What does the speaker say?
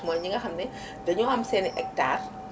mooy ñi nga xam ne dañoo am seen i hectare